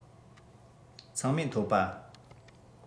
ཚང མས འཐོབ པ